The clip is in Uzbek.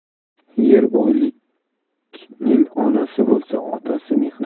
yer boylikning onasi bo'lsa otasi mehnat